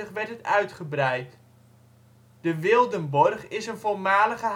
werd het uitgebreid. De Wildenborch is een voormalige